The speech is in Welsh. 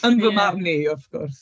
Yn fy... ie ...marn i wrth gwrs.